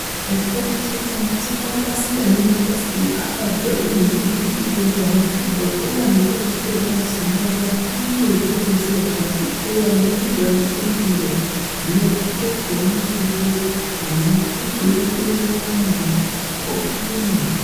Ẹ̀kọ́ tuntun kan tí wọ́n dá sílẹ̀ ní Yunifásítì Harvard lọ́dún yìí ti mú kí gbogbo àwọn akẹ́kọ̀ọ́ tó wà níbẹ̀ túbọ̀ máa sùn dáadáa kí wọ́n lè gbógun ti àṣà kíkóra ẹni níjàánu tó ń gbilẹ̀, ìyẹn kíkẹ́kọ̀ọ́ "ní gbogbo òru" nítorí pé wọ́n ń mu kọfíìnì.